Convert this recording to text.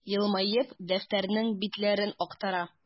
Елмаеп, дәфтәрнең битләрен актара.